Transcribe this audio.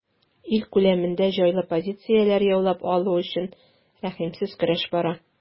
Ил күләмендә җайлы позицияләр яулап калу өчен рәхимсез көрәш бара.